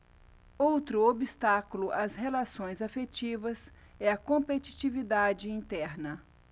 outro obstáculo às relações afetivas é a competitividade interna